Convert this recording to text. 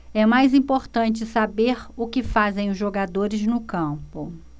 é mais importante saber o que fazem os jogadores no campo